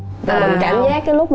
mình cảm giác cái lúc